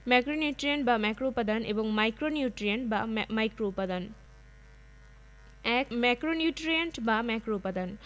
macronutrient বা ম্যাক্রোউপাদান এবং মাইক্রোনিউট্রিয়েন্ট বা মা মাইক্রোউপাদান ১ ম্যাক্রোনিউট্রিয়েন্ট বা ম্যাক্রোউপাদান